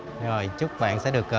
rồi chúc bạn sẽ được